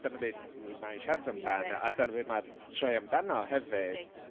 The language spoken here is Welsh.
D- dyna beth ni 'ma i siarad amdan... We love it... A dyna beth mae'r sioe amdano hefyd... Absolutely.